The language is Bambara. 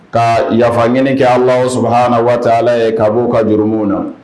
Ka yafa ɲ kɛ la su na waati ala ye ka'o ka juru minw na